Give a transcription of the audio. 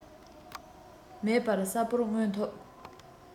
མེད པར གསལ པོར མངོན ཐུབ